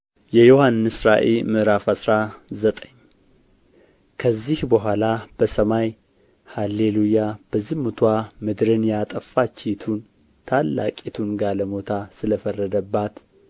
የዮሐንስ ራእይ ምዕራፍ አስራ ዘጠኝ ከዚህ በኋላ በሰማይ ሃሌ ሉያ በዝሙትዋ ምድርን ያጠፋችይቱን ታላቂቱን ጋለሞታ ስለ ፈረደባት